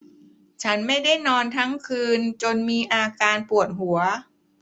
ฉันไม่ได้นอนทั้งคืนจนมีอาการปวดหัว